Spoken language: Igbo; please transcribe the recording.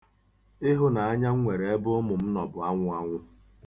Ihụnaanya m nwere ebe ụmụ m nọ bụ anwụanwụ.